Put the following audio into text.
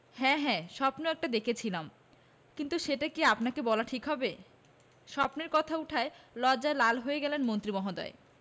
হ্যাঁ হ্যাঁ স্বপ্ন একটা দেখেছিলাম কিন্তু সেটা কি আপনাকে বলা ঠিক হবে স্বপ্নের কথা ওঠায় লজ্জায় লাল হয়ে গেলেন মন্ত্রী মহোদয়